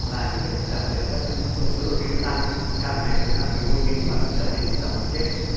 là những cái đặc biệt ở các sông suối đồ thị nó đang càng ngày càng bị ô nhiễm và nó trở nên những dòng sông chết